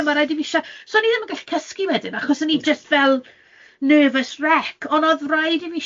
e, ma' raid i fi siar- so o'n i ddim yn gallu cysgu wedyn, achos o'n i jyst fel, nervous wreck, ond o'dd raid i fi